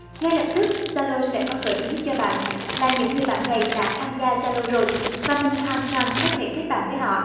ngay lập tức zalo sẽ có gợi ý cho bạn là những người bạn này đã tham gia zalo rồi và mình hoàn toàn có thể kết bạn với họ